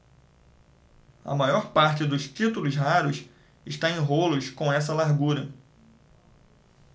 a maior parte dos títulos raros está em rolos com essa largura